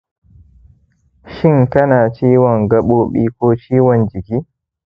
shin kana jin ciwon gabobi ko ciwon jiki